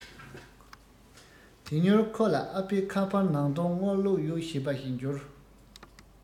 དེ མྱུར ཁོ ལ ཨ ཕའི ཁ པར ནང དོན དངུལ བླུག ཡོད ཞེས པ ཞིག འབྱོར